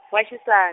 wa xisa-.